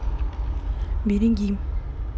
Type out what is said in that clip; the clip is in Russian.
береги